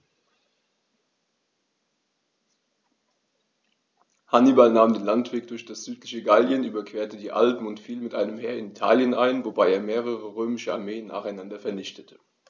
Hannibal nahm den Landweg durch das südliche Gallien, überquerte die Alpen und fiel mit einem Heer in Italien ein, wobei er mehrere römische Armeen nacheinander vernichtete.